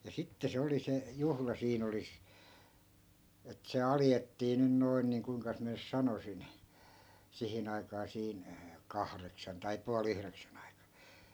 ja sitten se oli se juhla siinä oli että se alettiin nyt noin niin kuinkas minä nyt sanoisin siihen aikaan siinä kahdeksan tai puoli yhdeksän aikaan